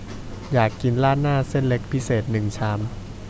อยากกินราดหน้าเส้นเล็กพิเศษหนึ่งชาม